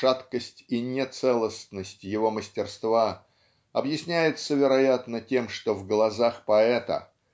Шаткость и нецелостность его мастерства объясняется вероятно тем что в глазах поэта